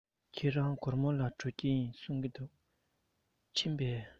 ཁྱེད རང གོར མོ ལ འགྲོ རྒྱུ ཡིན གསུང པས ཕེབས སོང ངམ